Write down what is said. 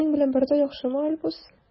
Синең белән бар да яхшымы, Альбус?